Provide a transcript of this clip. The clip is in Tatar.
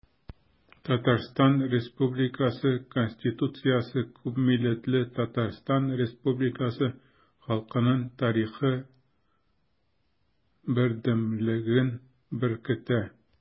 Татарстан Республикасы Конституциясе күпмилләтле Татарстан Республикасы халкының тарихы бердәмлеген беркетте.